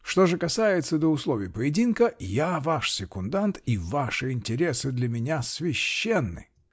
Что же касается до условий поединка -- я ваш секундант и ваши интересы для меня священны!!.